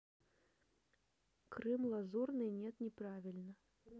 крым лазурный нет не правильно